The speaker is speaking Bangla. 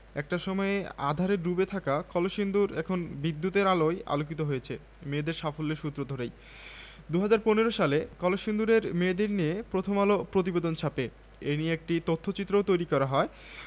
এখন যদি ঘরে বসে পড়তে তাহলে কেমন লাগত শরিফা ওহ ঘরে এখন ভারি ঠাণ্ডা খুব শীত করত নানা তা হলেই বোঝ শীতের সকালে রোদে তোমার আরাম লাগছে ভালো লাগছে এই ভালো লাগাটাই মিঠা মানে মিষ্টি